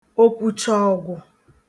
okwuchaàọ̀gwụ